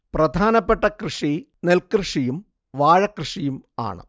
പ്രധാനപ്പെട്ട കൃഷി നെൽകൃഷിയും വാഴകൃഷിയും ആണ്